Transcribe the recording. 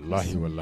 Hahiwala